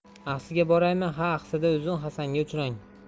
axsiga boraymi ha axsida uzun hasanga uchrang